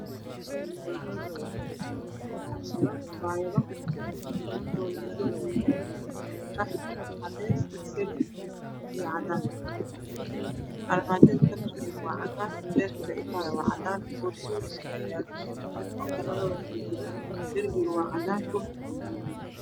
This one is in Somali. Meeshaan waa carwo waxaa suran cabaayado kalarkoodu madow yahay qaxwi iyo cadeys iyo basali iyo cadaan armaajada kalarkeedu waa cadaan. Leyrka Waa cadaan boorsooyin ayaa yaalo oo kalaradoodu kala duwan. Darbiguna waa cadaan. dhulkuna waa cadaan.